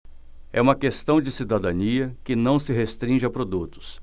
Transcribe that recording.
é uma questão de cidadania que não se restringe a produtos